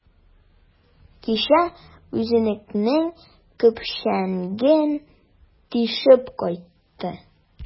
Кичә үзенекенең көпчәген тишеп кайтты.